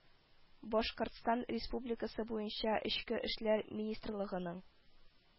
Башкортстан Республикасы буенча Эчке эшләр министрлыгының